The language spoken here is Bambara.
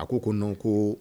A ko ko nɔn ko